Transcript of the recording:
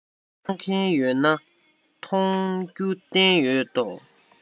ལྟ མཁན ཡོད ན མ ཡོང ན མཐོང རྒྱུ བསྟན ཡོད དོ